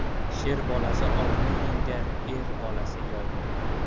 sher bolasi ovni yengar er bolasi yovni